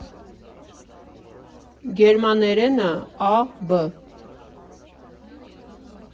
Գերմաներենը ֊ Ա. Բ.